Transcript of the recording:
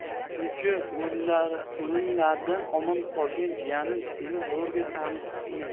shuncha o'limlardan omon qolgan jiyanim seni zo'rg'a tanibmen